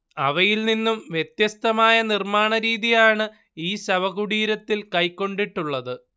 അവയിൽനിന്നു വ്യത്യസ്തമായ നിർമ്മാണരീതിയാണ് ഈ ശവകുടീരത്തിൽ കൈക്കൊണ്ടിട്ടുള്ളത്